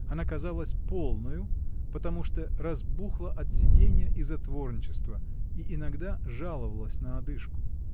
Она казалась полною, потому что разбухла от сиденья и затворничества, и иногда жаловалась на одышку.